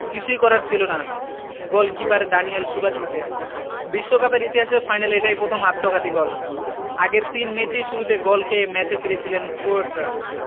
কিছুই করার ছিল না গোলকিপার দানিয়েল সুবাসিচের বিশ্বকাপের ইতিহাসে ফাইনালে এটাই প্রথম আত্মঘাতী গোল আগের তিন ম্যাচেই শুরুতে গোল খেয়ে ম্যাচে ফিরেছিল ক্রোটরা